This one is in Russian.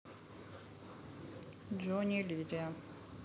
джонни лилия